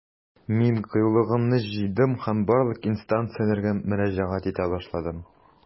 Мин кыюлыгымны җыйдым һәм барлык инстанцияләргә мөрәҗәгать итә башладым.